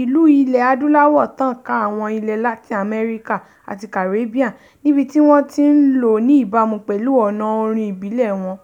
ìlú ilẹ̀ Adúláwò tàn ká àwọn ilẹ̀ Látìn Amẹ́ríkà àti Caribbean, níbi tí wọ́n tí ń lò ó ní ìbámu pẹ̀lú ọ̀nà orin ìbílẹ̀ wọn.